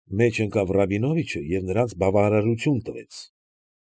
Մեջ ընկավ Ռաբինովիչը և նրանց բավարարություն տվեց։